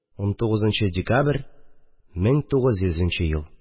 19 нчы декабрь, 1900 ел